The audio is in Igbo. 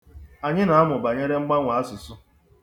Anyị na-amụ banyere mgbanwo asụsụ.